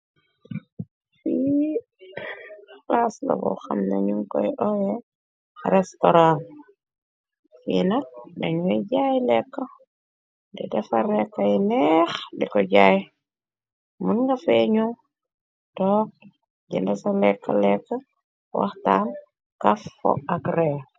Filaaslabo xam nañu koy oe restoran fii nak dañuy jaay lekk di defar rekkay neex di ko jaay mën nga fee ñu toog jëndesa lekk lekk waxtaan kaf fo ak ree.